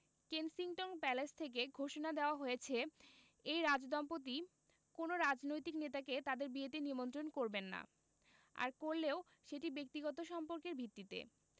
Kensington palace থেকে ঘোষণা দেওয়া হয়েছে এই রাজদম্পতি কোনো রাজনৈতিক নেতাকে তাঁদের বিয়েতে নিমন্ত্রণ করবেন না আর করলেও সেটি ব্যক্তিগত সম্পর্কের ভিত্তিতে